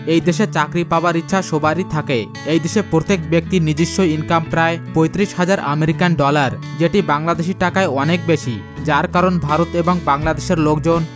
এদেশে চাকরি পাবার ইচ্ছা সবারই থাকে এ দেশের প্রত্যেক ব্যক্তির ইনকাম প্রায় ৩৫ হাজার আমেরিকান ডলার যে টি বাংলাদেশি টাকায় অনেক বেশি যার কারণে ভারত এবং বাংলাদেশের লোকজন